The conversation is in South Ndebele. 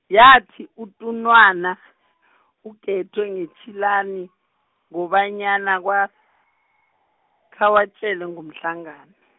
yathi utunwana , uGethwe ngetshilani, ngobanyana kwa-, khawatjele ngomhlangano.